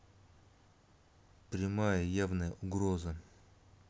прямая явная угроза